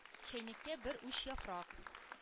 Чәйнеккә бер уч яфрак,